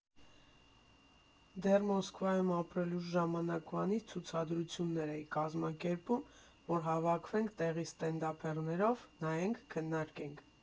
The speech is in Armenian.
Դեռ Մոսկվայում ապրելուս ժամանակվանից ցուցադրություններ էի կազմակերպում, որ հավաքվենք տեղի ստենդափերներով, նայենք, քննարկենք։